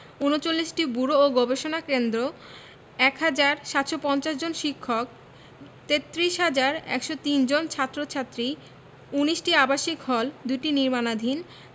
৩৯টি ব্যুরো ও গবেষণা কেন্দ্র ১ হাজার ৭৫০ জন শিক্ষক ৩৩ হাজার ১০৩ জন ছাত্র ছাত্রী ১৯টি আবাসিক হল ২টি নির্মাণাধীন